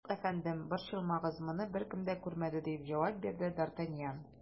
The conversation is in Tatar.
Юк, әфәндем, борчылмагыз, моны беркем дә күрмәде, - дип җавап бирде д ’ Артаньян.